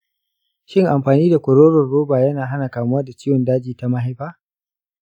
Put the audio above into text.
shin amfani da kwaroron roba yana hana kamuwa da ciwon daji ta mahaifa?